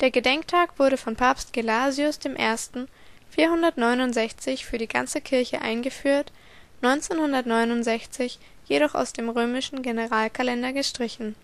Gedenktag wurde von Papst Gelasius I. 469 für die ganze Kirche eingeführt, 1969 jedoch aus dem römischen Generalkalender gestrichen